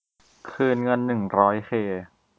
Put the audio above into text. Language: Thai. คืนเงินหนึ่งร้อยเค